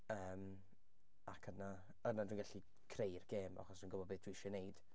Yym ac yna yna dwi'n gallu creu'r gêm, achos dwi'n gwybod be dwi isie wneud.